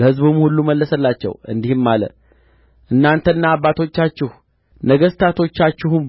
ለሕዝቡም ሁሉ መለሰላቸው እንዲህም አለ እናንተና አባቶቻችሁ ነገሥታቶቻችሁም